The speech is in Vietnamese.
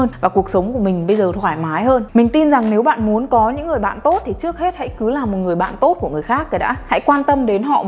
và cuộc sống của mình bây giờ thoải mái hơn mình tin rằng nếu bạn muốn có những người bạn tốt thì trước hết hãy cứ làm một người bạn tốt của người khác cái đã hãy quan tâm đến họ